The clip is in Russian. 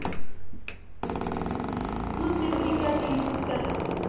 ну ты приколистка